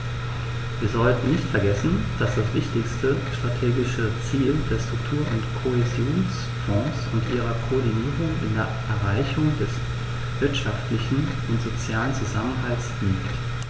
Wir sollten nicht vergessen, dass das wichtigste strategische Ziel der Struktur- und Kohäsionsfonds und ihrer Koordinierung in der Erreichung des wirtschaftlichen und sozialen Zusammenhalts liegt.